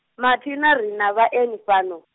mathina ri na vhaeni fhano?